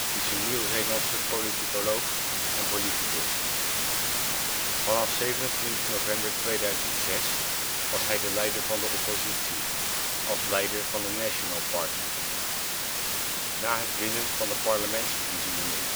is een Nieuw-Zeelandse politicoloog en politicus. Vanaf 27 november 2006 was hij de leider van de oppositie, als leider van de National Party. Na het winnen van de parlementsverkiezingen in